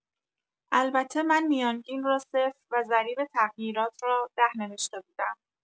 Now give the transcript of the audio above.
البته من میانگین را صفر و ضریب تغییرات را ۱۰ نوشته بودم.